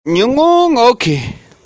མི རིང བར བྱིའུ གསོད མཁན